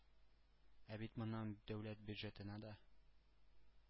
Ә бит моннан дәүләт бюджетына да,